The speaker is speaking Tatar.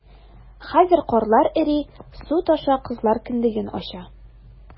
Хәзер карлар эри, су таша - кызлар кендеген ача...